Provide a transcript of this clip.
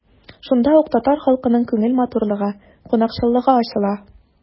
Шунда ук татар халкының күңел матурлыгы, кунакчыллыгы ачыла.